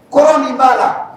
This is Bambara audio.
Kɔrɔ min b'a la